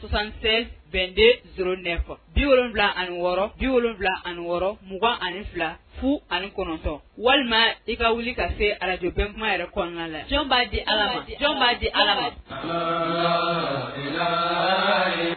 sonsansen bɛnden s nɛ fɔ bi wolon wolonwula ani wɔɔrɔ bi wolon wolonwula ani wɔɔrɔ 2ugan ani fila fu ani kɔnɔntɔn walima i ka wuli ka se alajfɛntuma yɛrɛ kɔnɔna la jɔn b'a di ala b'a di ala